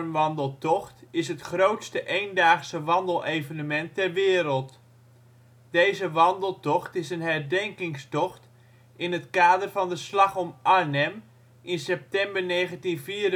Wandeltocht is het grootste eendaagse wandelevenement ter wereld. Deze wandeltocht is een herdenkingstocht in het kader van de Slag om Arnhem (september 1944) en vindt